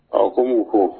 Aw ko n'u ko